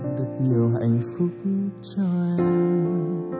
được nhiều hạnh phúc cho em